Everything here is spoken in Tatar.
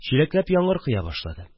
Чиләкләп яңгыр коя башлады